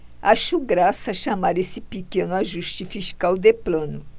acho graça chamar esse pequeno ajuste fiscal de plano